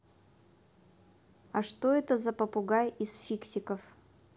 а что это за попугай из фиксиков